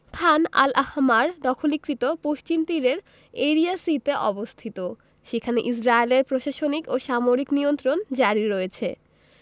খান al Ahmar দখলীকৃত পশ্চিম তীরের এরিয়া সি তে অবস্থিত সেখানে ইসরাইলের প্রশাসনিক ও সামরিক নিয়ন্ত্রণ জারি রয়েছে